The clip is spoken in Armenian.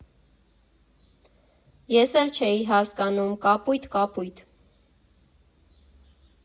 Ես էլ չէի հասկանում՝ կապույտ, կապույտ.